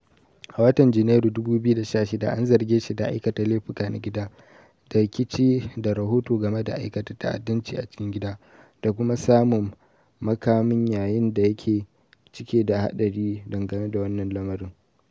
A watan Janairu 2016 an zarge shi da aikata laifuka na gida, da rikici da rahoto game da aikata ta'addanci a cikin gida, da kuma samun makamin yayin da yake cike da haɗari dangane da wannan lamarin.